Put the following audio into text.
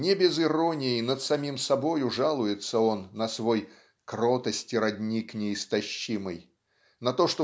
не без иронии над самим собою жалуется он на свой "кротости родник неистощимый" на то